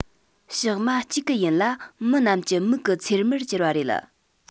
ཞག མ གཅིག གི ཡུན ལ མི རྣམས ཀྱི མིག གི ཚེར མར གྱུར བ རེད